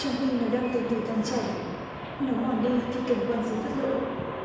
trong khi nó đang từ từ tan chảy nó mòn đi thì cảnh quan xinh phát lộ